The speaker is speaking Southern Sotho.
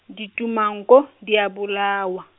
ditumanko, di a bolawa.